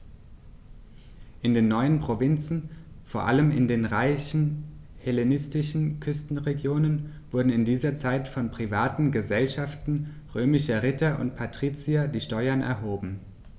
In den neuen Provinzen, vor allem in den reichen hellenistischen Küstenregionen, wurden in dieser Zeit von privaten „Gesellschaften“ römischer Ritter und Patrizier die Steuern erhoben.